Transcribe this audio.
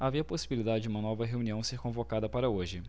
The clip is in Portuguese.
havia possibilidade de uma nova reunião ser convocada para hoje